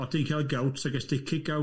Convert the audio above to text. O' ti'n cael gout, so ges ti kick-out?